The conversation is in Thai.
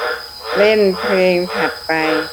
เล่นเพลงถัดไป